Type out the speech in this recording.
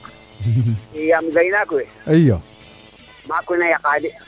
yaam gay naak we maak we na yaqa de